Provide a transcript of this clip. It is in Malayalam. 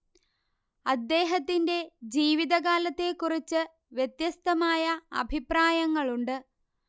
അദ്ദേഹത്തിന്റെ ജീവിതകാലത്തെക്കുറിച്ച് വ്യത്യസ്തമായ അഭിപ്രായങ്ങളുണ്ട്